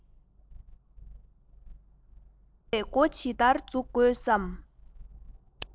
འབྲི བའི མགོ ཇི ལྟར འཛུགས དགོས སམ